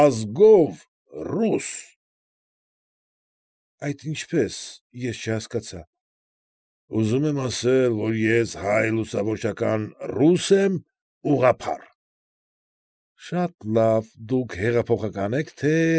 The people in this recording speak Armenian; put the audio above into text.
Ազգով՝ ռուս։ ֊ Այդ ինչպե՞ս, ես չհասկացա։ ֊ Ուզում եմ ասել, որ ես հայ֊լուսավորչական ռուս եմ, ուղղափառ… ֊ Շատ լավ, դուք հեղափոխակա՞ն եք, թե՞